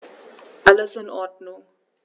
Alles in Ordnung.